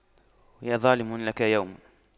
يا ظالم لك يوم